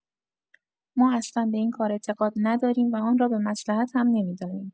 ما اصلا به این کار اعتقاد نداریم و آن را به مصلحت هم نمی‌دانیم.